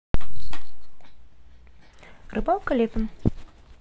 рыбалка летом